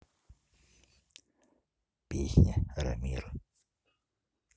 песня рамир